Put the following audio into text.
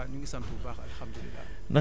waaw ñu ngi sant bu baax alhamdulilah